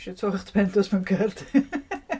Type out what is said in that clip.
Os ti isio tô uwch dy ben, dos mewn car.